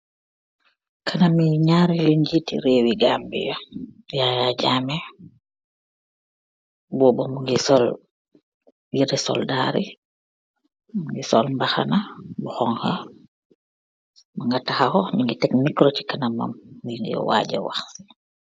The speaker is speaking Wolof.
Kanam mi nyarreli geeti rehwwi Gambia yaya jammeh bobaa mugeih sol yehreh soldaaree mugeih sol mbahana bu hougka mugaa tahow nyewgeih tekk mikooro ce kanaamam mugeih waja waah.